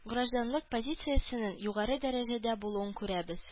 Гражданлык позициясенең югары дәрәҗәдә булуын күрәбез